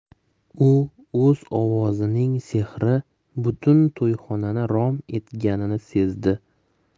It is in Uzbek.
u o'z ovozining sehri butun to'yxonani rom etganini sezdi